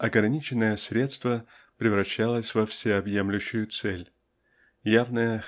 ограниченное средство превращалось во всеобъемлющую цель -- явное